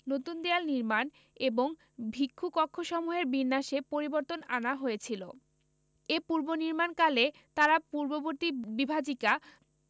নতুন দেওয়াল নির্মাণ এবং ভিক্ষু কক্ষসমূহের বিন্যাসে পরিবর্তন আনা হয়েছিল এ পুর্বর্নির্মাণকালে তারা পূর্ববর্তী বিভাজিকা